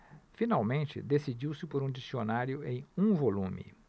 finalmente decidiu-se por um dicionário em um volume